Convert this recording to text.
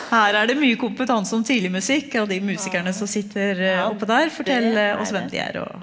her er det mye kompetanse om tidlig musikk og de musikerne som sitter oppå der, fortell oss hvem de er og!